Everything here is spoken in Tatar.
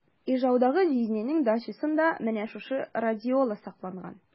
Ижаудагы җизнинең дачасында менә шушы радиола сакланган.